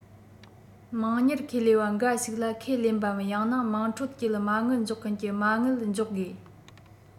དམངས གཉེར ཁེ ལས པ འགའ ཞིག ལ ཁས ལེན པའམ ཡང ན དམངས ཁྲོད ཀྱི མ དངུལ འཇོག མཁན གྱི མ དངུལ འཇོག དགོས